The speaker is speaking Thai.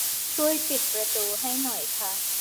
ช่วยปิดประตูให้หน่อยค่ะ